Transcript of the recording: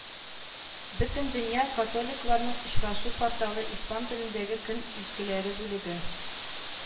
Бөтендөнья Католикларның очрашу порталы, испан телендәге көн изгеләре бүлеге